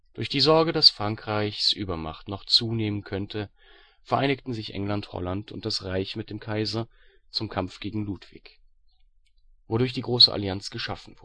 Durch die Sorge, dass Frankreichs Übermacht noch zunehmen könnte, vereinigten sich England, Holland und das Reich mit dem Kaiser, zum Kampf gegen Ludwig; wodurch die Große Allianz geschaffen